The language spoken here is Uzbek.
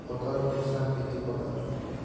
qotar ursang eti qotar